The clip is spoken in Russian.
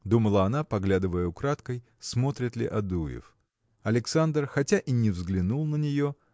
– думала она, поглядывая украдкой, смотрит ли Адуев. Александр хотя и не взглянул на нее